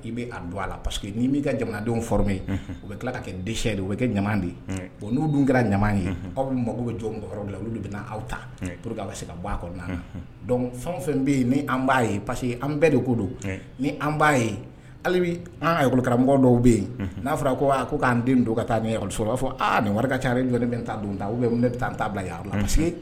I bɛ don a la ni' jamanadenw u bɛ tila ka kɛ di kɛ de ye o n'u dun kɛra ɲama ye aw bɛ mako bɛ jɔ la olu bɛ aw ta p walasaur se ka bɔc fɛn fɛn bɛ yen ni an b'a ye parce que an bɛɛ de ko don ni an b'a ye bɛ angoloolokara dɔw bɛ yen n'a fɔra a ko ko k'an den don ka taa ɲɛ sɔrɔ b'a fɔ nin ka ca ni bɛ taa don ta bɛ bɛ taa ta bila